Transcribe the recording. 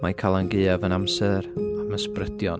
Mae Calan Gaeaf yn amser am ysbrydion.